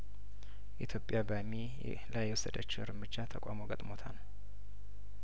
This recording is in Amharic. ኢትዮጵያ በአሚ ላይ የወሰደችው እርምጃ ተቃውሞ ገጥሞታል